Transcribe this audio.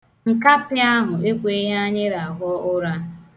Nkapị ahụ ekweghi anyị rahuọ ụra.